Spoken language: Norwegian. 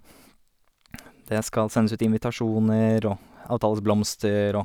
Det skal sendes ut invitasjoner og avtales blomster og...